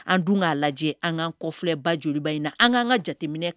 An dun k'a lajɛ an ka kɔlɛba joliba in na an k'an ka jateminɛ